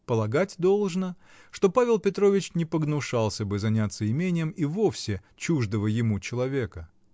Полагать должно, что Павел Петрович не погнушался бы заняться имением и вовсе чуждого ему человека.